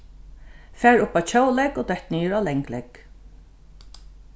fara upp á tjólegg og detta niður á langlegg